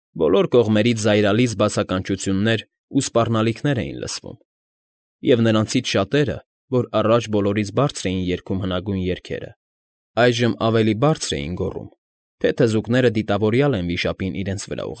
Բոլոր կողմերից զայրալից բացականչություններ ու սպառնալիքներ էին լսվում, և նրանցից շատերը, որ առաջ բոլորից բարձր էին երգում հնագույն երգերը, այժմ ամենից բարձր էին գոռում, թե թզուկները դիտավորյալ են վիշապին իրենց վրա։